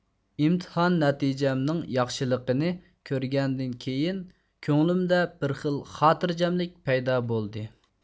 ئىمتىھان نەتىجەمنىڭ ياخشىلىقىنى كۆرگەندىن كېيىن كۆڭلۈمدە بىر خىل خاتىرجەملىك پەيدا بولدى